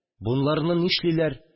Бунларны нишлиләр